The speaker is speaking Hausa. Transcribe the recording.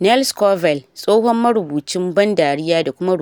Nell Scovell, tsohon marubucin ban dariya da kuma